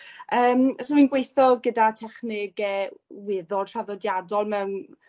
yym so fi'n gweitho gyda technege weddol traddodiadol mewn